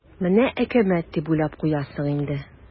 "менә әкәмәт" дип уйлап куясың инде.